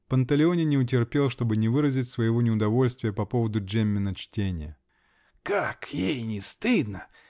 Панталеоне не утерпел, чтобы не выразить своего неудовольствия по поводу Джеммина чтения. -- Как ей не стыдно!